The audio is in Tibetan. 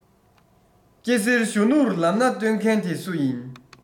སྐྱེ སེར གཞོན ནུར ལམ སྣ སྟོན མཁན དེ སུ ཡིན